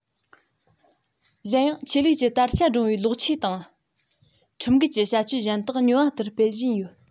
གཞན ཡང ཆོས ལུགས ཀྱི དར ཆ བསྒྲེངས པའི ལོག ཆོས དང ཁྲིམས འགལ གྱི བྱ སྤྱོད གཞན དག སྨྱོ བ ལྟར སྤེལ བཞིན ཡོད